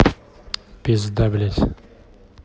пизда блядь